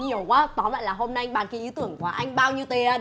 nhiều quá tóm lại là hôm nay là anh bán cái ý tưởng của anh bao nhiêu tiền